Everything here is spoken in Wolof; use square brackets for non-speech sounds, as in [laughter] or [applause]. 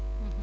[hesitation] [hesitation]